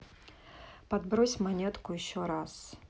подбрось монетку еще раз